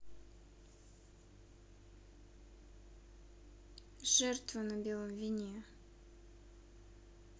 жертва на белом вине